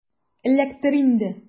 Эләктер инде!